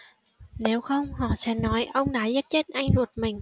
nếu không họ sẽ nói ông đã giết chết anh ruột mình